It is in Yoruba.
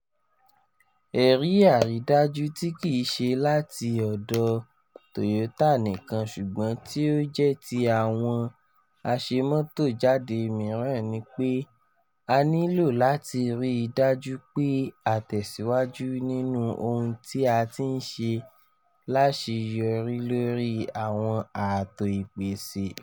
"Ẹ̀rí àrídájú tí kìíṣe láti ọ̀dọ̀ Toyotà nìkan ṣùgbọ́n tí ó jẹ́ ti àwọn àṣemọ́tò jáde míràn ní pé a nílò láti rí dájú pé a tẹ̀síwájú nínú ohun tí a ti ńṣe láṣeyọrílórí àwọn ààtò ìpèsè.”